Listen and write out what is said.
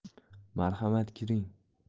marhamat kiring